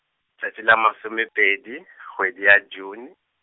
tšatši la masome pedi, kgwedi ya June.